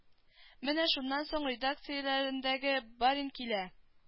Менә шуннан соң редакцияләрендәге барин килә